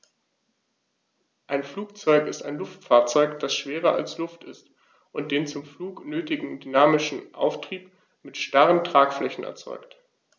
Ein Flugzeug ist ein Luftfahrzeug, das schwerer als Luft ist und den zum Flug nötigen dynamischen Auftrieb mit starren Tragflächen erzeugt.